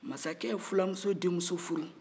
masakɛ ye filamuso denmuso furu